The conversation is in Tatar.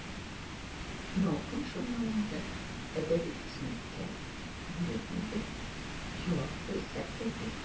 «ялкын» журналында әдәби хезмәткәр, бүлек мөдире, җаваплы сәркәтиб.